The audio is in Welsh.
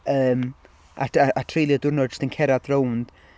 yym, a d- a treulio diwrnod jyst yn cerdded rownd ...